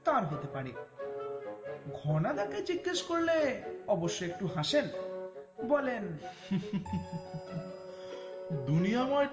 তার হতে পারে ঘনাদা কে জিজ্ঞেস করল অবশ্য একটু হাসেন বলেন দুনিয়াময়